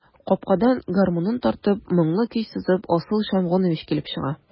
Капкадан, гармунын тартып, моңлы көй сызып, Асыл Шәмгунович килеп чыга.